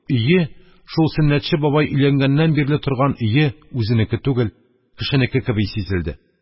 Өе, шул Сөннәтче бабай өйләнгәннән бирле торган өе, үзенеке түгел, кешенеке кеби сизелде.